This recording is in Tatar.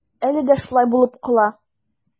Әле дә шулай булып кала.